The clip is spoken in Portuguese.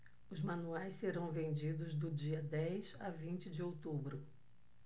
os manuais serão vendidos do dia dez a vinte de outubro